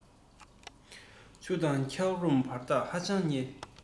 ཆུ དང འཁྱག རོམ བར ཐག ཧ ཅང ཉེ